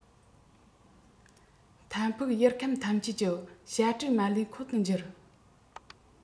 མཐའ ཕུགས ཡུལ ཁམས ཐམས ཅད ཀྱི བྱ སྤྲེལ མ ལུས འཁོན དུ གྱུར